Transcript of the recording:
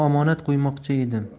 omonat qo'ymoqchi edim